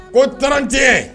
O t tɛ